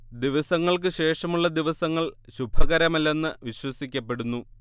ദിവസങ്ങൾക്കു ശേഷമുള്ള ദിവസങ്ങൾ ശുഭകരമല്ലെന്ന് വിശ്വസിക്കപ്പെടുന്നു